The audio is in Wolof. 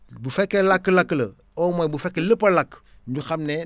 bu fekkee lakk-lakk la au moins bu fekkee lépp a lakk énu xam ne